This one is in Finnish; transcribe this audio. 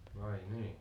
vai niin